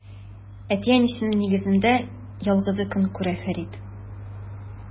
Әти-әнисенең нигезендә ялгызы көн күрә Фәрид.